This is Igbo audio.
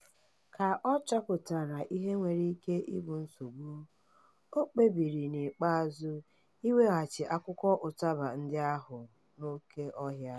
Ka ọ chọpụtara ihe nwere ike ịbụ nsogbu, o kpebiri n'ikpeazụ iweghachi akwụkwọ ụtaba ndị ahụ n'oke ohịa.